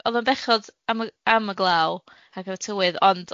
O'dd o'n bechod am y am y glaw ac am y tywydd, ond